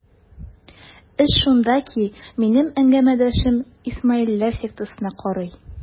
Эш шунда ки, минем әңгәмәдәшем исмаилләр сектасына карый.